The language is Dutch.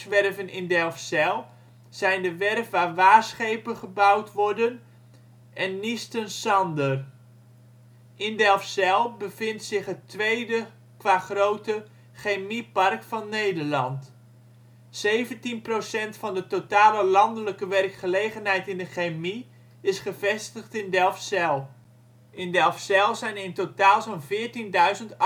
in Delfzijl zijn de werf waar Waarschepen gebouwd worden en Niestern Sander. In Delfzijl bevindt zich het 2e (qua grootte) chemiepark van Nederland. 17 % van de totale landelijke werkgelegenheid in de chemie is gevestigd in Delfzijl. In Delfzijl zijn in totaal zo 'n 14.000 arbeidsplaatsen